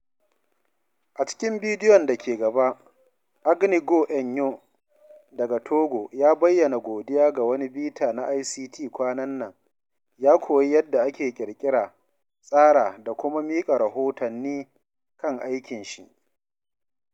A cikin bidiyon da ke gaba, Agnegue Enyo daga Togo ya bayyana godiya ga wani bita na ICT kwanan nan, ya koyi yadda ake ƙirƙira, tsara da kuma miƙa rahotanni kan aikin shi.